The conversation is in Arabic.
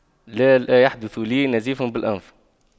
لا لا يحدث لي نزيف بالأنف